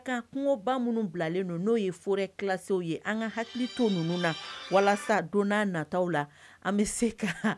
kan kungoba munu bilalen don no ye forêt classiques ye . An ka hakili to nunun na walasa don na nataw la an be se ka